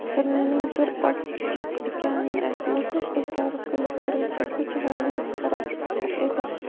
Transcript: burnining bir oz puchuq ekanini aytmasa ko'zlari kulib turuvchi bu juvonning istarasi issiq edi